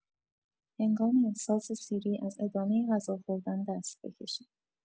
هنگام احساس سیری از ادامه غذا خوردن دست بکشید.